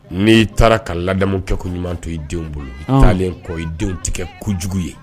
N'i taara ka laadamukɛ ko ɲumanw to i denw bolo, ɔn, i talen kɔ i denw tigɛ kojugu ye.